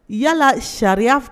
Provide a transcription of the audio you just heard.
Yalala sa